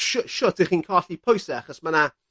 shw- shwt y'ch chi'n colli pwyse achos ma' 'na